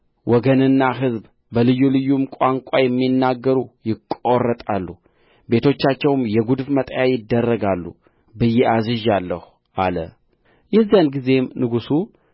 ወገንና ሕዝብ በልዩ ልዩም ቋንቋ የሚናገሩ ይቈረጣሉ ቤቶቻቸውም የጕድፍ መጣያ ይደረጋሉ ብዬ አዝዣለሁ አለ የዚያን ጊዜም ንጉሡ